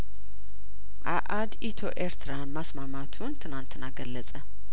አአድ ኢትዮ ኤርትራን ማስማማቱን ትናንትና ገለጸ